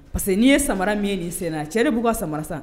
Parce que n'i ye samara min ye nin senna cɛ de b'u ka samara sa